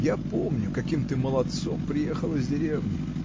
Я помню, каким ты молодцом приехал из деревни